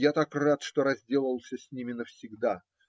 Я так рад, что разделался с ними навсегда.